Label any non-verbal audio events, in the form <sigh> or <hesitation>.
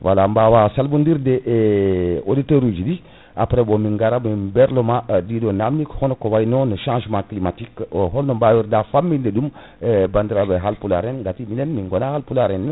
voilà bawa salmodirde e auditeur uji ɗi <breath> après bon min gara min berloma ɗiɗo namdi hono ko wayno changement climatique o holno bawirɗa famminde ɗum <breath> <hesitation> bandiraɓe halpulaar en gati minen min gona halpulaar en